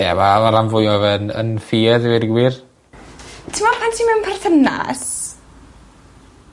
Ie ma' ma' ran fwya o fe'n yn ffiedd i ddweud y gwir. T'mod pan ti mewn perthynas